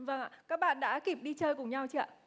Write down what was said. vâng ạ các bạn đã kịp đi chơi cùng nhau chưa ạ